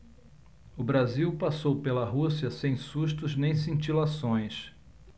o brasil passou pela rússia sem sustos nem cintilações